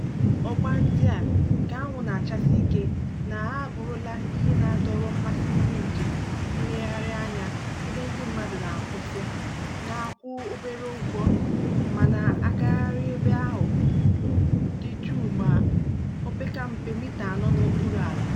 Ọgba ndị a nke anwụ na-achasi ike na ha abụrụla ihe na-adọrọ mmasị ndị njem nlegharị anya ebe ndị mmadụ na-akwụsị, na-akwụ obere ụgwọ, ma na-agagharị ebe ahụ dị jụụ ma opekampe mita anọ n'okpuru ala.